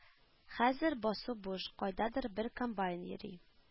Хәзер басу буш, кайдадыр бер комбайн йөри